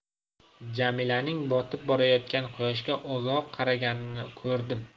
jamilaning botib borayotgan quyoshga uzoq qaraganini ko'rdim